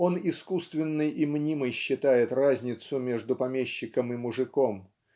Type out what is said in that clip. Он искусственной и мнимой считает разницу между помещиком и мужиком